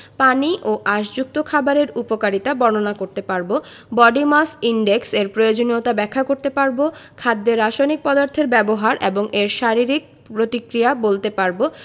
⦁ পানি ও আশযুক্ত খাবারের উপকারিতা বর্ণনা করতে পারব ⦁ বডি মাস ইনডেক্স এর প্রয়োজনীয়তা ব্যাখ্যা করতে পারব ⦁ খাদ্যে রাসায়নিক পদার্থের ব্যবহার এবং এর শারীরিক প্রতিক্রিয়া বলতে পারব